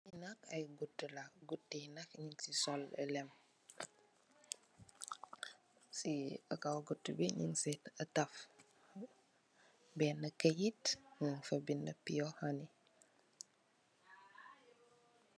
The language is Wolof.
Li nak ay gutuh la, gutuh yi nak ñing ci sol lem. Ci kat gutuh bi ñing ci taf benna kayit ñing fa bindi pure honey.